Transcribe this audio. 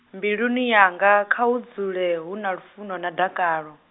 mbiluni yanga, khahu dzule, huna lufuno na dakalo.